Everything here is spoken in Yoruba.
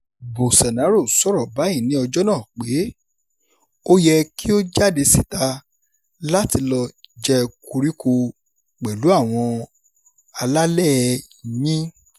Bolsonaro sọ̀rọ̀ báyìí ní ọjọ́ náà pé "ó yẹ kí o jáde síta láti lọ jẹ koríko pẹ̀lú àwọn alálẹ̀ẹ yín".